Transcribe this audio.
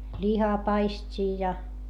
lihapaistia ja